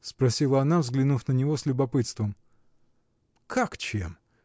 — спросила она, взглянув на него с любопытством. — Как чем?